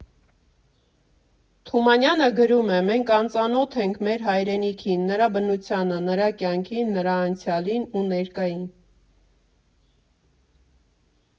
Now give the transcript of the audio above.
Թումանյանը գրում է՝ «Մենք անծանոթ ենք մեր հայրենիքին, նրա բնությանը, նրա կյանքին, նրա անցյալին ու ներկային։